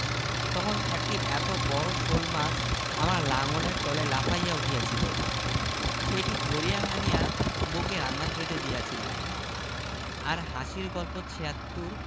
তখন একটি এত বড় শোলমাছ আমার লাঙলের তলে লাফাইয়া উঠিয়াছিল সেইটি ধরিয়া আনিয়া বউকে রান্না করিতে দিয়াছিলাম আর হাসির গল্প ৭৬